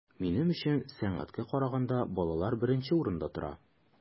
Минем өчен сәнгатькә караганда балалар беренче урында тора.